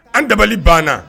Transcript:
An dabali banna